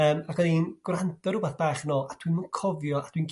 Yrm ac yn i'n gwrando r'wbath bach nôl a dwi'm yn cofio a dwi'n